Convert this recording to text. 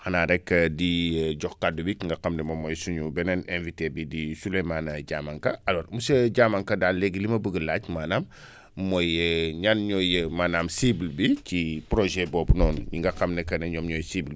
xanaa rek di jox kàddu gi ki nga xam ne moom mooy suñu beneen invité bi di Souleymane Diamanka alors monsieur Diamanka daal léegi li ma bëgg laaj maanaam mooy énan ñooy maanaam cible bi ci projet boobu noonu ñi nga xam ne que ñoom ñooy cible bi